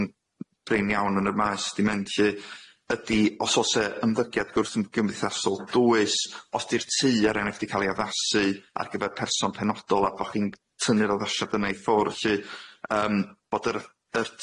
yn brin iawn yn yr maes di'n mynd lly ydi os o's e ymddygiad gwrth- gymdeithasol dwys os di'r tŷ ar enw' chdi ca'l ei addasu ar gyfer person penodol a bo' chi'n tynnu'r addasiad yna i ffwr' lly yym bod yr yy yr